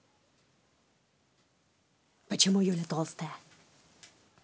почему юля толстая